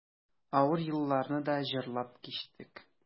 Авыр елларны да җырлап кичтек.